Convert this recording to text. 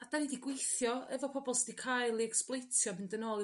A a 'da ni 'di gwithio efo pobol sy' 'di cael eu esbloetio fynd yn ôl i